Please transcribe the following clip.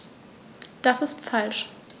Das ist falsch.